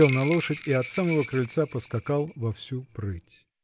"-- сел на лошадь и от самого крыльца поскакал во вею прыть.